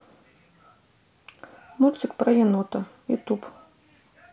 мультик про енотика ютуб